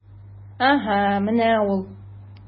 Әһә, менә ул...